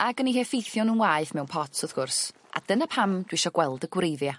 ag yn 'u heffeithio nw'n waeth mewn pot wrth gwrs a dyna pam dwi isio gweld y gwreiddia'.